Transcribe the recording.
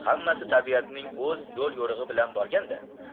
hammasi tabiatning o'z yo'l yo'rig'i bilan borganda